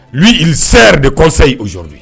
N i seri de kɔsa ye oy ye